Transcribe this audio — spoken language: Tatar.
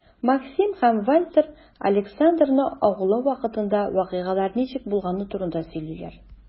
Максим һәм Вальтер Александрны агулау вакытында вакыйгалар ничек булганы турында сөйлиләр.